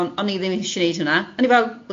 ond o'n i ddim eisiau wneud hynna, o'n i fel,